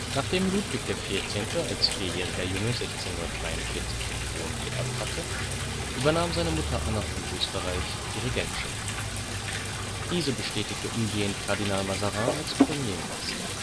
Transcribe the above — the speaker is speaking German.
Nachdem Ludwig XIV. als vierjähriger Junge 1643 den Thron geerbt hatte, übernahm seine Mutter Anna von Österreich die Regentschaft. Diese bestätigte umgehend Kardinal Mazarin als Premierminister